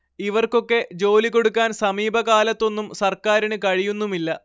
ഇവർക്കൊക്കെ ജോലി കൊടുക്കാൻ സമീപകാലത്തൊന്നും സർക്കാരിനു കഴിയുന്നുമില്ല